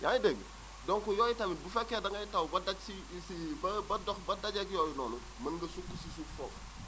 yaa ngi dégg donc yooyu tamit bu fekkee da ngay taw ba daj si si si ba dox ba dajeeg yooyu noonu mën nga sukk si suuf foofu